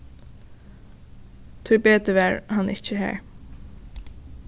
tíbetur var hann ikki har